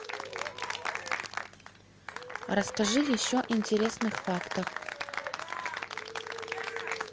расскажи еще интересных фактов